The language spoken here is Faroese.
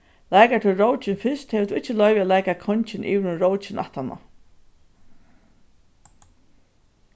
leikar tú rókin fyrst hevur tú ikki loyvi at leika kongin yvir um rókin aftaná